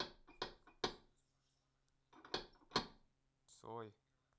цой